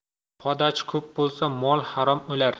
podachi ko'p bo'lsa mol harom o'lar